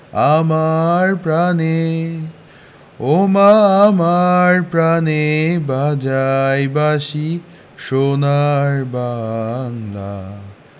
আমার প্রাণে ওমা আমার প্রানে বাজায় বাঁশি সোনার বাংলা